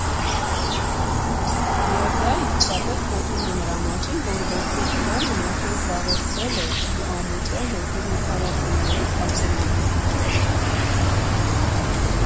Եվ դա իսկապես խոսում է նրա մասին, որ Ոսկե ծիրանն արդեն զբաղեցրել է իր ամուր տեղը կինոփառատոների քարտեզում։